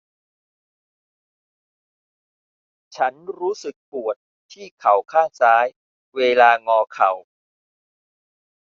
ฉันรู้สึกปวดที่เข่าข้างซ้ายเวลางอเข่า